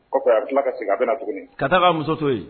Kɔfɛ a bɛ tila ka segin, a bɛna na tuguni, ka taa k'a muso to yen?